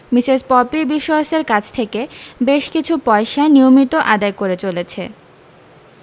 Mrs Popy বিশোয়াসের কাছ থেকে বেশ কিছু পয়সা নিয়মিত আদায় করে চলেছে